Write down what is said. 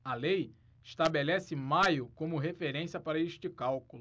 a lei estabelece maio como referência para este cálculo